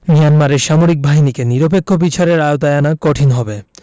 মিয়ানমারের সামরিক বাহিনীকে নিরপেক্ষ বিচারের আওতায় আনা কঠিন হবে